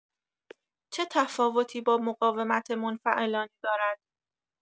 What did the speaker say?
چه تفاوتی با مقاومت منفعلانه دارد؟